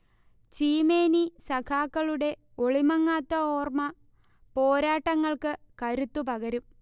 ചീമേനി സഖാക്കളുടെ ഒളിമങ്ങാത്ത ഓർമ, പോരാട്ടങ്ങൾക്ക് കരുത്തുപകരും